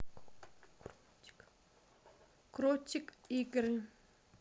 кротик игры